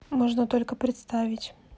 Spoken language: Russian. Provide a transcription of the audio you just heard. можно только представить